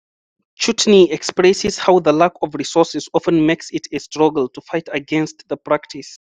Chutni expresses how the lack of resources often makes it a struggle to fight against the practice.